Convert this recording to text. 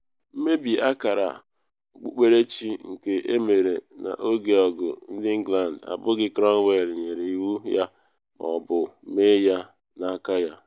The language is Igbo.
Mmebi akara okpukperechi nke emere n’oge ọgụ ndị England abụghị Cromwell nyere iwu ya ma ọ bụ mee ya n’aka ya.